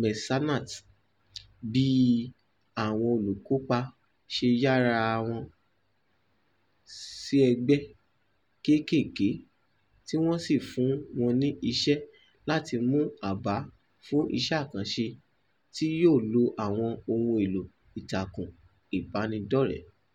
Messanat, bí àwọn olùkópa ṣe ya ara wọn sí ẹgbẹ́ kéékèèké tí wọ́n sì fún wọn ní iṣẹ́ láti mú àbá fún iṣẹ́ àkànṣe tí yóò lo àwọn ohun èlò ìtàkùn ìbánidọ́rẹ̀.